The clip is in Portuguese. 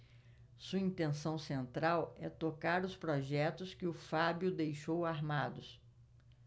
sua intenção central é tocar os projetos que o fábio deixou armados